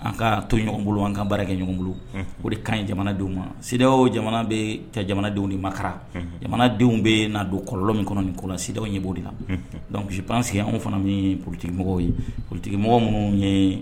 an ka to ɲɔgɔn bolo an ka baara kɛ ɲɔgɔn bolo o de kan ɲi jamanadenw ma sidiw jamana bɛ jamanadenw de maka jamanadenw bɛ n'a don kɔlɔnlɔ min kɔnɔ nin kɔlasidiw ye b'o de la dɔnsi pan sigilen anw fana min politigimɔgɔ ye ptigimɔgɔ minnu ye